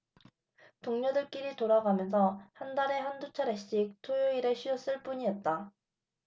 동료들끼리 돌아가면서 한 달에 한 두 차례씩 토요일에 쉬었을 뿐이었다